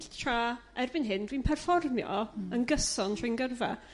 T- t- tra erbyn hyn dwi'n perfformio yn gyson trwy'n gyrfa.